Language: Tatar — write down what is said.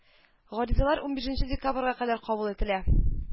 Гаризалар унбишенче декабрьгә кадәр кабул ителә